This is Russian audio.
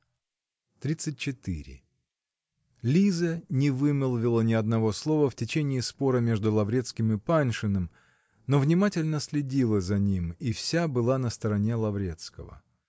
ГЛАВА ТРИДЦАТЬ ЧЕТЫРЕ. Лиза не вымолвила ни одного слова в течение спора между Лаврецким и Паншиным, но внимательно следила за ним и вся была на стороне Лаврецкого.